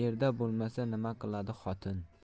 erda bo'lmasa nima qiladi xotin